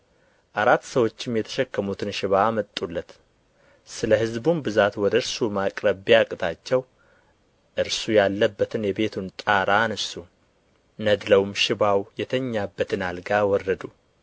አራት ሰዎችም የተሸከሙትን ሽባ አመጡለት ስለ ሕዝቡም ብዛት ወደ እርሱ ማቅረብ ቢያቅታቸው እርሱ ያለበትን የቤቱን ጣራ አነሡ ነድለውም ሽባው የተኛበትን አልጋ አወረዱ